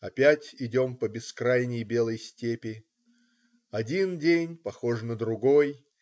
Опять идем по бескрайней белой степи. Один день похож на другой.